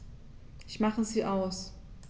Ich mache sie aus.